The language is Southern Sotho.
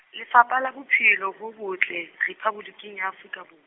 Lefapha la Bophelo bo botle Rephaboliki ya Afrika Bor-.